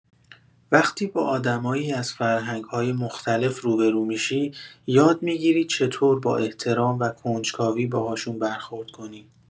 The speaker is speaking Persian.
وقتی با آدمایی از فرهنگ‌های مختلف روبه‌رو می‌شی، یاد می‌گیری چطور با احترام و کنجکاوی باهاشون برخورد کنی.